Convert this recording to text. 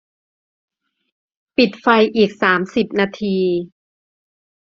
ปิดไฟอีกสามสิบนาที